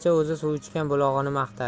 suv ichgan bulog'ini maqtar